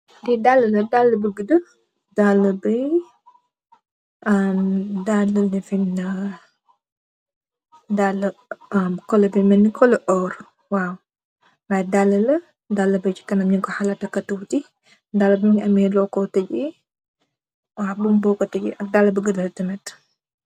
Lii daalë la, daalë bu guddu. Daalë bi, kolo bi melni kolo orr, waaw, waay daalë Daalë bi si kanam ñung ko takkë tuuti, daalë bi mu ngi loo koo tëgee, daalë bu guddu la tamit.